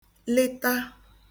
-lịta